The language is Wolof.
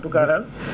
en tout cas daal